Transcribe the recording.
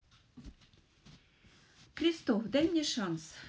крестов дай мне шанс